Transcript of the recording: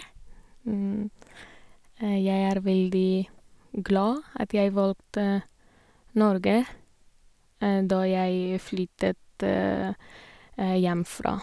Jeg er veldig glad at jeg valgte Norge da jeg flyttet hjemmefra.